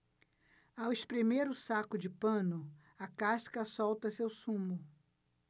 ao espremer o saco de pano a casca solta seu sumo